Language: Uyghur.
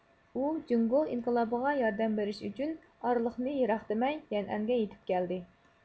ئۇ جۇڭگو ئىنقىلابىغا ياردەم بېرىش ئۈچۈن ئارىلىقنى يىراق دېمەي يەنئەنگە يېتىپ كەلدى